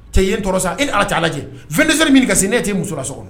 Cɛ yen tɔɔrɔ sa e ala' lajɛ f tɛ min ka nee tɛ musola so kɔnɔ